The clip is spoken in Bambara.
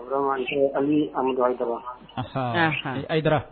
Ko